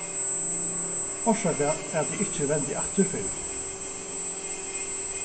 orsaka at eg ikki vendi aftur fyrr